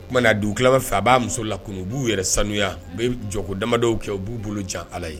O tumana dugutila ma fɛ a b'a muso lakunu u b'u yɛrɛ sanuya u bɛ jɔ ko damadɔ kɛ u b'u bolo jan Ala ye.